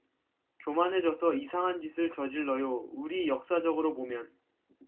교만해져서 이상한 짓을 저질러요 우리 역사적으로 보면